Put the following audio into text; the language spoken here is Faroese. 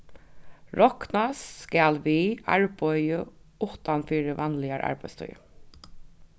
roknast skal við arbeiði uttan fyri vanligar arbeiðstíðir